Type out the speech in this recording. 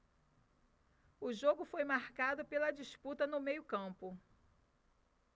o jogo foi marcado pela disputa no meio campo